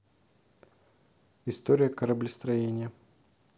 история кораблестроения